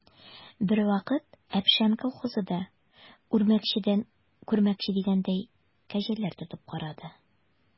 Бервакыт «Әпшән» колхозы да, үрмәкчедән күрмәкче дигәндәй, кәҗәләр тотып карады.